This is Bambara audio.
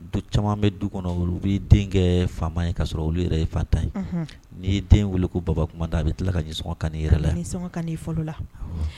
Don caman bɛ du kɔnɔ olu bɛ denkɛ fa ye ka sɔrɔ olu yɛrɛ ye fa ta ye n'i den weeleku baba kuma a bɛ tila ka nisɔngɔ kan yɛrɛ la nisɔngɔ kan la